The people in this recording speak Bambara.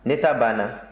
ne ta banna